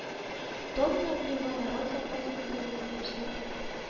Тонна углеводород запасы булуын күрсәтә